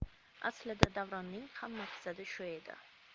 aslida davronning ham maqsadi shu edi